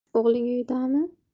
o'g'ling uydami